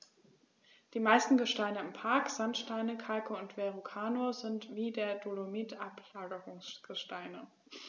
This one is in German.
Die meisten Gesteine im Park – Sandsteine, Kalke und Verrucano – sind wie der Dolomit Ablagerungsgesteine.